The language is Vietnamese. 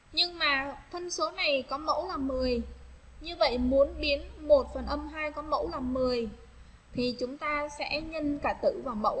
nhưng mà phân số này có mẫu và mời như vậy muốn biến một tuần có mẫu là khi chúng ta sẽ nhân cả tử và mẫu